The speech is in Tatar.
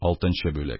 Алтынчы бүлек